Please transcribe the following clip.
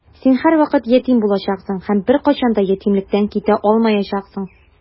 Син һәрвакыт ятим булачаксың һәм беркайчан да ятимлектән китә алмаячаксың.